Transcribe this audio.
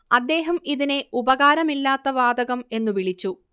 അദ്ദേഹം ഇതിനെ ഉപകാരമില്ലാത്ത വാതകം എന്ന് വിളിച്ചു